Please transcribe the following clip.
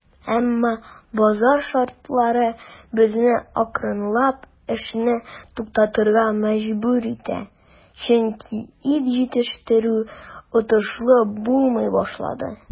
Әмма базар шартлары безне акрынлап эшне туктатырга мәҗбүр итә, чөнки ит җитештерү отышлы булмый башлады.